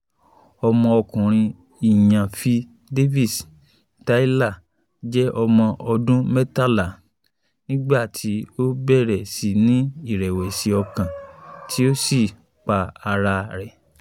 Ọmọ ọkùnrin Ìyàáfin Davis, Tyler, jẹ́ ọmọ ọdún 13 nígbàtí ó bẹ̀rẹ̀ sí ní ìrẹ̀wẹ̀sì ọkàn tí ó sì pa ara rẹ.